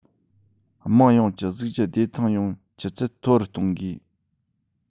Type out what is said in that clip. དམངས ཡོངས ཀྱི གཟུགས གཞི བདེ ཐང ཡོང བའི ཆུ ཚད མཐོ རུ གཏོང དགོས